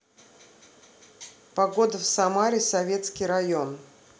погода в самаре советский район